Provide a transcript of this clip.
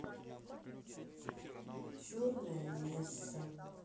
черная месса